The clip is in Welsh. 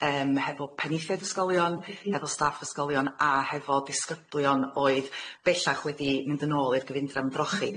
Yym hefo penaethiaid ysgolion, hefo staff ysgolion, a hefo disgyblion oedd bellach wedi mynd yn ôl i'r gyfundrafn drochi.